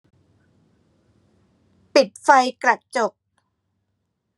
ปิดไฟกระจก